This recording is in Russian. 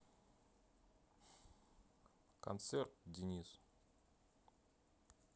концерт денис